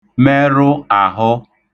merụ àhụ